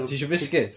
Ti isio biscuit?